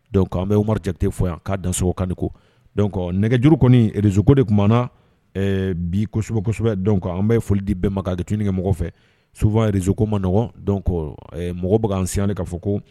Dɔnku an bɛ mari jate tɛ fɔ yan k'a danso kan ko nɛgɛjuru kɔnirezko de tumaumana na bi kosɛbɛ kosɛbɛ dɔn kan an bɛ ye foli di bɛn ma kɛkɛ mɔgɔ fɛ sufa rezko maɔgɔn mɔgɔ bɛan sini k kaa fɔ ko